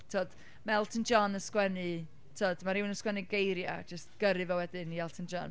Tibod, mae Elton John yn sgwennu, tibod... ma' rhywun yn sgwennu geiriau a jyst gyrru fo wedyn i Elton John.